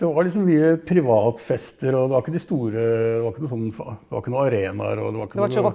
det var liksom mye privatfester, og det var ikke de store , det var ikke noe sånn det var ikke noen arenaer og det var ikke noe.